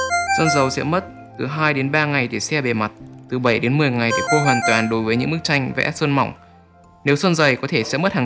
sơn dầu sẽ mất từ đến ngày để se bề mặt từ đến ngày để khô hoàn toàn đối với những bức tranh vẽ sơn mỏng nếu sơn dày có thể sẽ mất hàng tháng